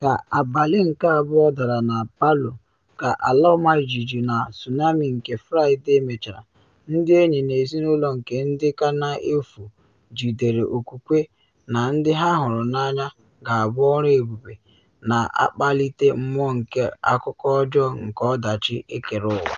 Ka abalị nke abụọ dara na Palu ka ala ọmajiji na tsunami nke Fraịde mechara, ndị enyi na ezinụlọ nke ndị ka na efu jidere okwukwe na ndị ha hụrụ n’anya ga-abụ ọrụ ebube na akpalite mmụọ nke akụkụ ọjọọ nke ọdachi ekereụwa.